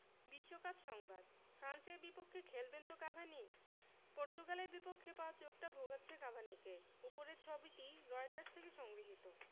বিশ্বকাপ সংবাদ ফ্রান্সের বিপক্ষে খেলবেন তো কাভানি পর্তুগালের বিপক্ষে পাওয়া চোটটা ভোগাচ্ছে কাভানিকে ওপরের ছবিটি রয়টার্স থেকে সংগৃহীত